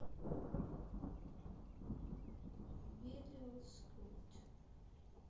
velial squad